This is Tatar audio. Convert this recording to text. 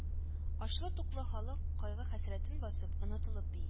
Ачлы-туклы халык, кайгы хәсрәтен басып, онытылып бии